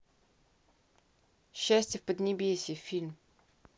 счастье в поднебесье фильм